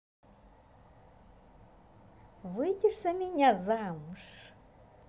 выйдешь за меня замуж